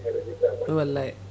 wallay